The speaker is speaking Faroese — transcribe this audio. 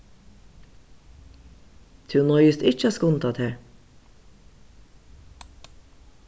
tú noyðist ikki at skunda tær